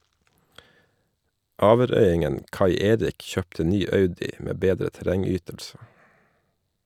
Averøyingen Kai Erik kjøpte ny Audi med bedre terrengytelse.